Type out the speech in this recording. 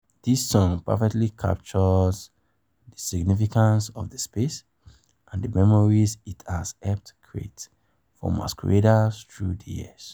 This song perfectly captures the significance of the space, and the memories it has helped create for masqueraders through the years.